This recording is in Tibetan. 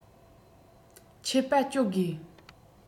ཆད པ གཅོད དགོས